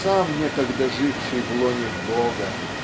сам некогда живший в лоне Бога